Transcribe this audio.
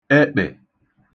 ekpè